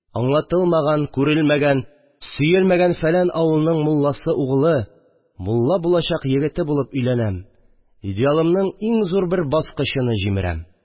Аңлатылмаган, күрелмәгән, сөелмәгән фәлән авылның мулласы угълы, мулла булачак егете булып әйләнәм, идеалымның иң зур бер баскычыны җимерәм